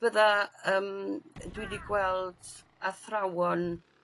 Fydda yym yy dwi 'di gweld athrawon